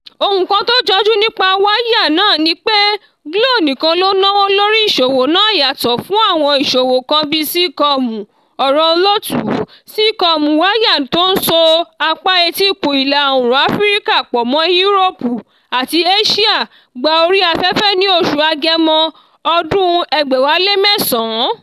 Ohun kan tó jọjú nipa wáyà náà ni pé Glo nìka ló náwó lóri ìṣòwò náà yàtọ̀ fún àwọn ìṣòwò kan bíi Seacom [Ọ̀rọ̀ Olóòtu: Seacom, wáyà tó ń so apá etíkun ìlà-oòrùn Áfíríkà pọ̀ mọ́ Europe àti Asia gba orí afẹ́fẹ́ ní oṣù Agẹmọ, ọdún 2009]